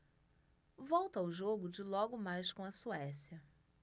volto ao jogo de logo mais com a suécia